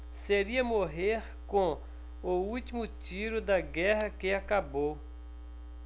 seria morrer com o último tiro da guerra que acabou